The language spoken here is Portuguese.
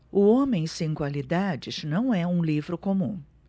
o homem sem qualidades não é um livro comum